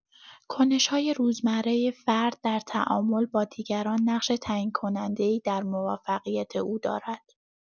کنش‌های روزمره فرد در تعامل با دیگران نقش تعیین‌کننده‌ای در موفقیت او دارد.